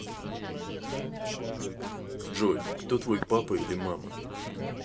джой кто твой папа или мама